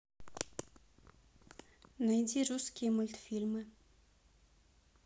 найди русские мультфильмы